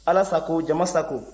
ala sago jama sago